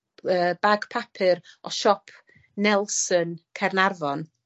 yy bag papur o siop Nelson, Caernarfon.